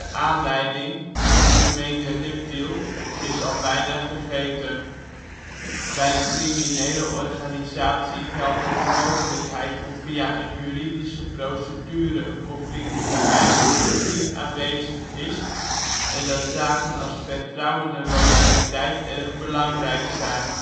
aanleiding, een vermeende Ripdeal, is al bijna vergeten. Bij een criminele organisatie geldt dat de mogelijkheid om via een juridische procedure een conflict te beëindigen niet aanwezig is en dat zaken als vertrouwen en loyaliteit erg belangrijk zijn